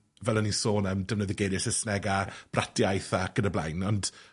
fel o'n i'n sôn am defnyddio geiriau Sysneg a bratiaith ac yn y blaen, ond